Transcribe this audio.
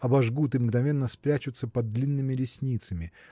обожгут и мгновенно спрячутся под длинными ресницами